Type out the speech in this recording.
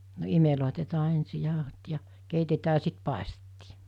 no imelletään ensin jauhot ja keitetään ja sitten paistettiin